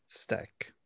Stick.